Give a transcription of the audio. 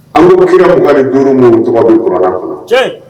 An kiraugan ni duuru ninnu tɔgɔ bɛ kuralan kɔnɔ